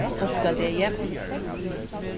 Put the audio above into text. páskadegi